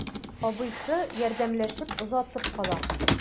Абыйсы ярдәмләшеп озатып кала.